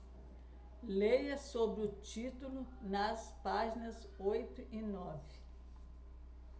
leia sobre o título nas páginas oito e nove